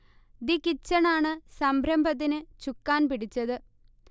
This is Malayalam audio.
'ദി കിച്ചൺ' ആണ് സംരംഭത്തിന് ചുക്കാൻ പിടിച്ചത്